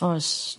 Oes